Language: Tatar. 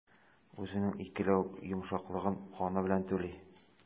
Үзенең икеләнү йомшаклыгын каны белән түли.